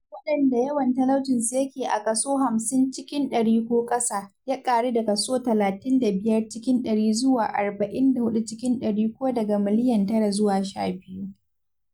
Waɗanda yawan talaucinsu yake a kaso 50% ko ƙasa, ya ƙaru daga kaso 35% zuwa 44% (ko daga miliyan 9 zuwa 12).